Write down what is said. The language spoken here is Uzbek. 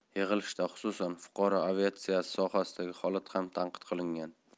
yig'ilishda xususan fuqaro aviatsiyasi sohasidagi holat ham tanqid qilingan